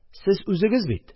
Сез үзегез бит!..